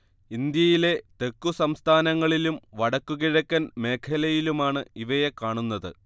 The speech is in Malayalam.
ഇന്ത്യയിലെ തെക്കുസംസ്ഥാനങ്ങളിലും വടക്ക് കിഴക്കൻ മേഖലയിലുമാണ് ഇവയെ കാണുന്നത്